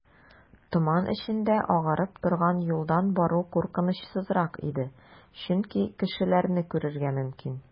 Томан эчендә агарып торган юлдан бару куркынычсызрак иде, чөнки кешеләрне күрергә мөмкин.